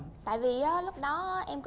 tại vì á lúc đó á em